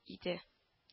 Иде